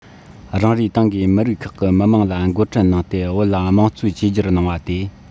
རང རེའི ཏང གིས མི རིགས ཁག གི མི དམངས ལ འགོ ཁྲིད གནང སྟེ བོད ལ དམངས གཙོའི བཅོས སྒྱུར གནང བ དེ